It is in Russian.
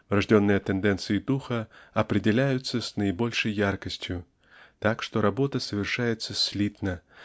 врожденные тенденции духа определяются с наибольшею яркостью так что работа совершается слитно